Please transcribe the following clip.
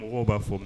Mɔgɔw b'a fɔ